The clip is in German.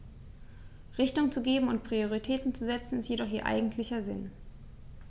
Richtung zu geben und Prioritäten zu setzen, ist jedoch ihr eigentlicher Sinn.